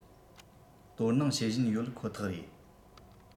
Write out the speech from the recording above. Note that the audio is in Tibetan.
དོ སྣང བྱེད བཞིན ཡོད ཁོ ཐག རེད